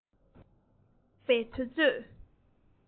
གསེར ལས ལྷག པའི དུས ཚོད